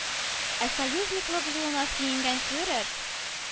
Ә “союзник”лы булуына сөенгән фюрер,